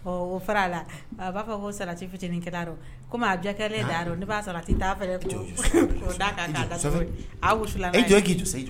Ɔ o fara a la a b'a fɔ ko saralati fitiini kɛl'arɔ komi a jɔ tɛ ne narɔ ne b'a salati ta'fɛ ko d'a kan , safɛ ,e k'i jɔ tan i jɔ sa e k'i jɔ sa!